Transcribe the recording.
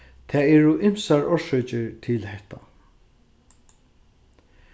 tað eru ymsar orsøkir til hetta